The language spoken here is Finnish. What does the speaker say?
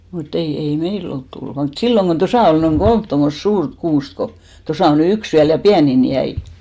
mutta ei ei meillä ole tullut vain mutta silloin kun tuossa oli noin kolme tuommoista suurta kuusta kun tuossa on nyt yksi vielä ja pienin jäi